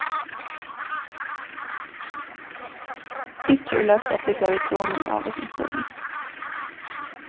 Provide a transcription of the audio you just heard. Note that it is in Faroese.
ikki er loyvt at flúgva við dronu í ávísum støðum